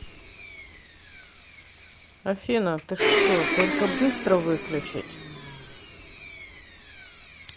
афина ты что только быстро выключить